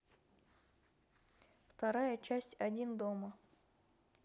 вторая часть один дома